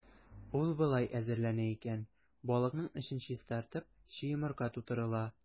Ул болай әзерләнә икән: балыкның эчен чистартып, чи йомырка тутырыла.